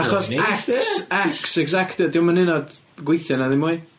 Achos ex ex executive 'di o'm yn y' 'n o'd gweithio 'na ddim mwy.